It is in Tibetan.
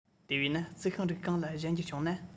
དེ བས ན རྩི ཤིང རིགས གང ལ གཞན འགྱུར བྱུང ན